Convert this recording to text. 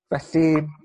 Felly